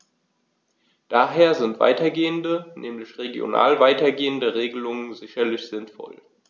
Daher sind weitergehende, nämlich regional weitergehende Regelungen sicherlich sinnvoll.